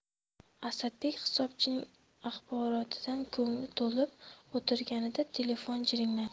asadbek hisobchining axborotidan ko'ngli to'lib o'tirganida telefon jiringladi